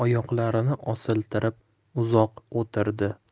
oyoqlarini osiltirib uzoq o'tirdi